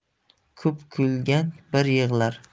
ko'p kulgan bir yig'lar